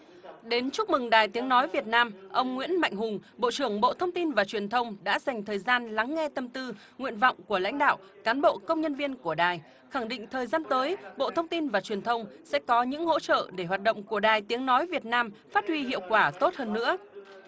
đến chúc mừng đài tiếng nói việt nam ông nguyễn mạnh hùng bộ trưởng bộ thông tin và truyền thông đã dành thời gian lắng nghe tâm tư nguyện vọng của lãnh đạo cán bộ công nhân viên của đài khẳng định thời gian tới bộ thông tin và truyền thông sẽ có những hỗ trợ để hoạt động của đài tiếng nói việt nam phát huy hiệu quả tốt hơn nữa